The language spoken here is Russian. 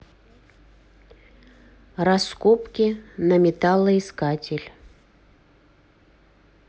раскопки на металлоискатель